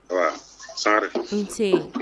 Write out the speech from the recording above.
Ayiwa sarari nse